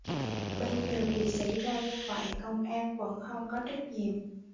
bây giờ việc xảy ra như vậy công an vẫn không có trách nhiệm